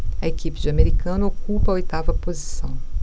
a equipe de americana ocupa a oitava posição